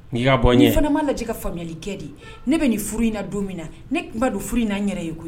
N'i' bɔ ɲɛ fana b'a lajɛjɛ ka faamuyali kɛ di ne bɛ nin furu inina don min na ne tunba don furu in'an n yɛrɛ ye koyi